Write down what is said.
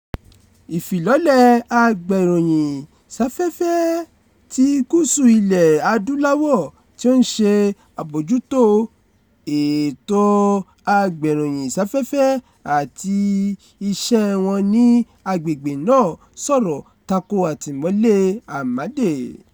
Ìfilọ́lẹ̀ Agbéròyìn Sáfẹ́fẹ́ ti Gúúsù Ilẹ̀ Adúláwò, tí ó ń ṣe àbójútó ẹ̀tọ́ agbéròyìn sáfẹ́fẹ́ àti iṣẹ́ wọn ní agbègbè náà sọ̀rọ̀ tako àtìmọ́lé Amade: